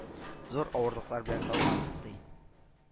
Зур авырлыклар белән салгансыз, ди